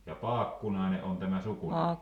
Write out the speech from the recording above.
ja Paakkunainen on tämä sukunimi